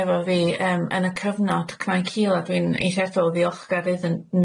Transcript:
efo fi yym yn y cyfnod cnoi cil a dwi'n eithriadol ddiolchgar iddyn